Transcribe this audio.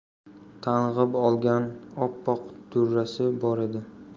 tang'ib olgan oppoq durrasi bor edi